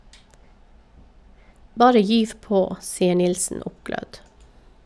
Bare gyv på , sier Nilsen oppglødd.